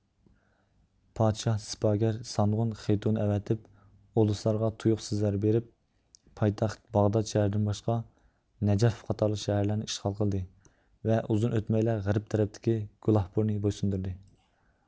پادىشاھ سىپاگەر سانغۇن خېتۇنى ئەۋەتىپ ئۇلۇسلارغا تۇيۇقسىز زەربە بىرىپ پايتەخت باغدات شەھىرىدىن باشقا نەجەف قاتارلىق شەھەرلەرنى ئىشغال قىلدى ۋە ئۇزۇن ئۆتمەيلا غەرب تەرەپتىكى گوھلاپۇرنى بويسۇندۇردى